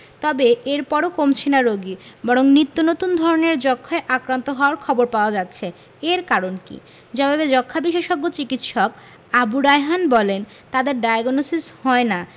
তবে এরপরও কমছে না রোগী বরং নিত্যনতুন ধরনের যক্ষ্মায় আক্রান্ত হওয়ার খবর পাওয়া যাচ্ছে এর কারণ কী জবাবে যক্ষ্মা বিশেষজ্ঞ চিকিৎসক আবু রায়হান বলেন যাদের ডায়াগনসিস হয় না